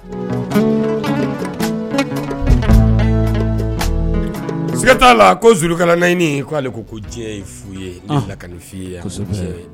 Sigiiga t'a la kokalalanɲini aleale ko ko diɲɛ ye f'